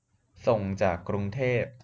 ส่งจากกรุงเทพ